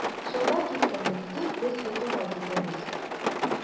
Чалбар кипкәнне көтеп без йокыга китәбез.